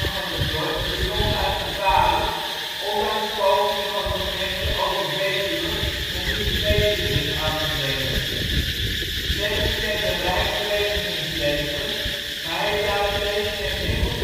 van het dorp is ronduit gevaarlijk ondanks pogingen van de gemeente Overbetuwe om hier verbetering in aan te brengen. Zetten kent een rijk verenigingsleven, maar heeft daarentegen geen enkel